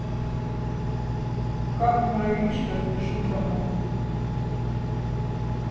как муравьишка спешит домой